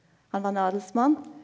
han var ein adelsmann.